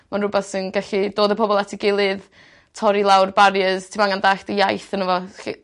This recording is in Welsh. Ma'n rwbeth sy'n gallu dod â pobol at 'i gilydd. Torri lawr barriers ti'm angen dallt y iaith yno fo. Chi...